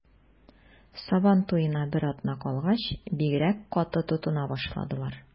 Сабан туена бер атна калгач, бигрәк каты тотына башладылар.